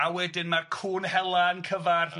a wedyn ma'r cŵn hela yn cyfarth,